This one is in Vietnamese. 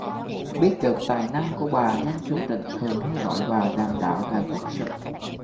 biết được tài năng của bà nên chúa trịnh thường hay gọi vào đàm đạo về quốc sự